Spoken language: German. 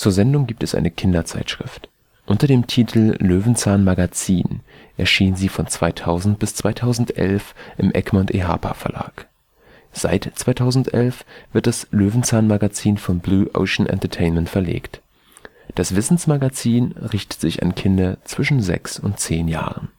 Sendung gibt es eine Kinderzeitschrift. Unter dem Titel " Löwenzahn-Magazin " erschien sie von 2000 bis 2011 im Egmont Ehapa Verlag. Seit 2011 wird das Löwenzahn-Magazin von Blue Ocean Entertainment verlegt. Das Wissensmagazin richtet sich an Kinder zwischen sechs und zehn Jahren